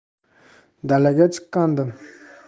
dalaga chiqqandim